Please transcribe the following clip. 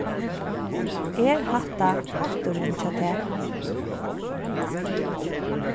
er hatta hatturin hjá tær